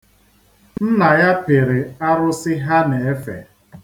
Nna ya pịrị arụsị ha na-efe